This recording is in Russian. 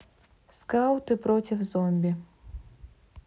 скауты против зомби